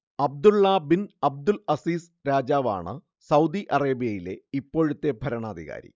Abdulla bin Abdul Aziz രാജാവാണ് Saudi അറേബ്യയിലെ ഇപ്പോഴത്തെ ഭരണാധികാരി